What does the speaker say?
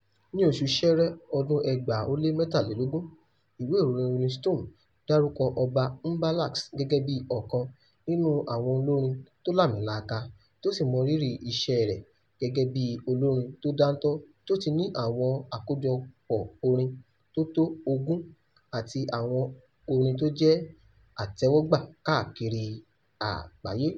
Ní January 2023, ìwé ìròyìn Rollin Stone dárúkọ ọba Mbalax gẹ́gẹ́ bí ọ̀kan nìnú àwọn olórin tó làmilaka, tí ó sì mọ rírí iṣẹ́ rẹ̀ gẹ́gẹ́ bí olórin tó dánítọ̀ tó ti ní àwọn àkọjọpọ̀ orin tó tó ogun àti àwọn orin tó jẹ́ àtẹ́wọ́gbà káàkiri àgbáyé.